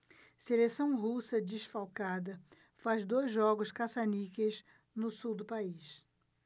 seleção russa desfalcada faz dois jogos caça-níqueis no sul do país